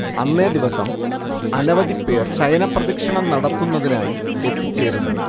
അന്നേ ദിവസം അനവധിപേർ ശയനപ്രദക്ഷിണം നടത്തുന്നതിനായി എത്തിച്ചേരുന്നു